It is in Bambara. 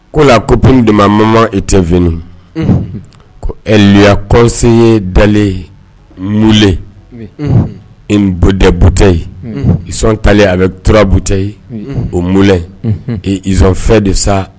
Ko la kop dema e tɛf ko ɛlya kɔsen ye dalen mleɛbute yensɔn tale a bɛurabu tɛ ye o mɛlɛsɔn fɛ de sa